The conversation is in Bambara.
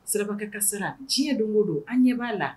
Siraba kan sara diɲɛ don o don an ɲɛ b'a la